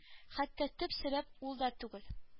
Хәтта төп сәбәп ул да түгел